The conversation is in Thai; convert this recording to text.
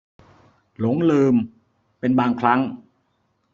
หลงลืมเป็นบางครั้ง